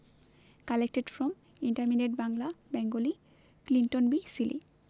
collected from intermediate Bangla Bengali Clinton B Seely